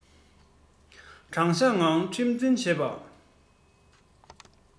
དྲང གཞག ངང ཁྲིམས འཛིན བྱེད པ